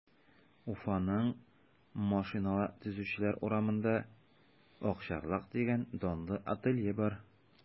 Уфаның Машина төзүчеләр урамында “Акчарлак” дигән данлы ателье бар.